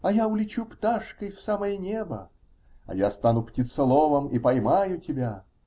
"-- "А я улечу пташкой в самое небо!" -- "А я стану птицеловом и поймаю тебя.